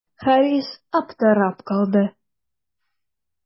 Харис аптырап калды.